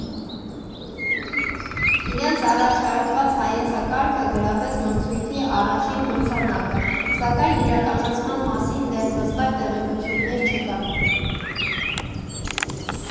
Իրենց առաջարկված հայեցակարգը գրավեց մրցույթի առաջին մրցանակը, սակայն իրականացման մասին դեռ հստակ տեղեկություններ չկան։